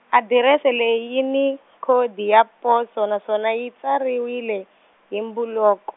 adirese leyi yi ni khodi ya poso, naswona yi tsariwile, hi mbhuluko.